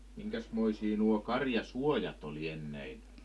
minkäsmoisia nuo karjasuojat oli ennen